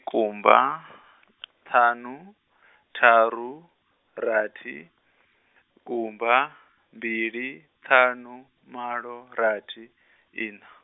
kumba, ṱhanu, ṱharu, rathi, kumba, mbili, ṱhanu malo rathi, ina.